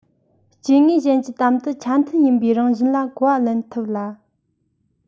སྐྱེ དངོས གཞན གྱི དམ དུ ཆ མཐུན ཡིན པའི རང བཞིན ལ གོ བ ལེན ཐུབ ལ